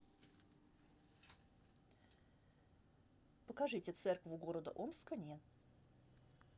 покажите церкву города омска не